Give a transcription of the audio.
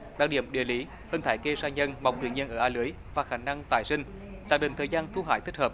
đặc điểm địa lý thần thái cây sa nhân mọc tự nhiên ở a lưới và khả năng tái sinh xác định thời gian thu hoạch thích hợp